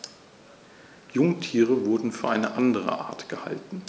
Jungtiere wurden für eine andere Art gehalten.